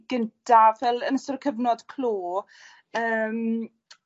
gyntaf fel yn sort of cyfnod clo yym.